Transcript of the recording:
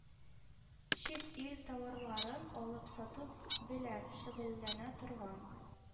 Чит ил товарларын алып сату белән шөгыльләнә торган